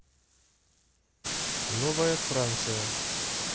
новая франция